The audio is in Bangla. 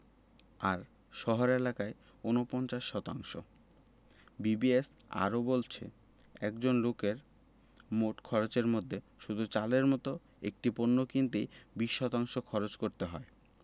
আর শহর এলাকায় ৪৯ শতাংশ বিবিএস আরও বলছে একজন লোকের মোট খরচের মধ্যে শুধু চালের মতো একটি পণ্য কিনতেই ২০ শতাংশ খরচ করতে হয়